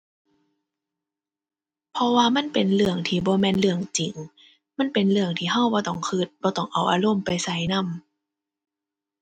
เพราะว่ามันเป็นเรื่องที่บ่แม่นเรื่องจริง มันเป็นเรื่องที่เราบ่ต้องเรา บ่ต้องเอาอารมณ์ไปใส่นำ